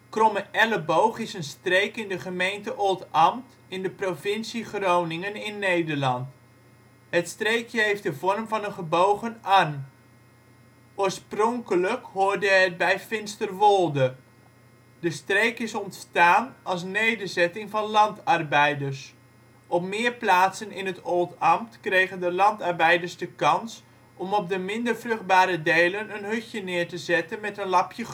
Kromme-Elleboog is een streek in de gemeente Oldambt in de provincie Groningen (Nederland). Het streekje heeft de vorm van een gebogen arm. Oorspronkelijk hoorde het bij Finsterwolde. De streek is ontstaan als nederzetting van landarbeiders. Op meer plaatsen in het Oldambt kregen de landarbeiders de kans om op de minder vruchtbare delen een hutje neer te zetten met een lapje grond